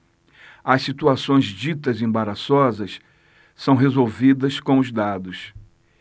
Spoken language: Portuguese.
as situações ditas embaraçosas são resolvidas com os dados